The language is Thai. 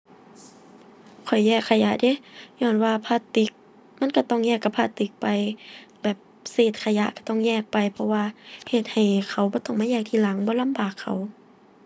ข้อยแยกขยะเดะ ญ้อนว่าพลาสติกมันก็ต้องแยกกับพลาสติกไป แบบเศษขยะก็ต้องแยกไป เพราะว่าเฮ็ดให้เขาบ่ต้องมาแยกทีหลัง บ่ลำบากเขา